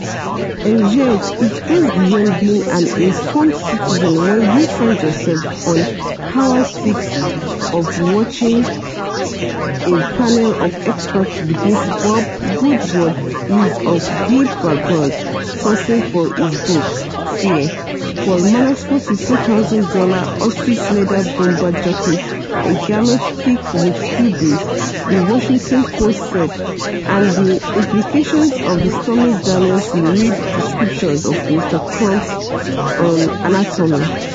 And yet, it goes beyond being an informed citizen when you find yourself on hour six of watching a panel of experts debate Bob Woodward's use of "deep background" sourcing for his book "Fear," Paul Manafort's $15,000 ostrich-leather bomber jacket ("a garment thick with hubris," The Washington Post said) and the implications of Stormy Daniels's lurid descriptions of Mr. Trump's, um, anatomy.